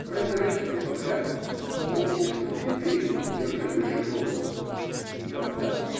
Разве родители говорят им: помни, что ты еврей, и держи выше голову? – Никогда.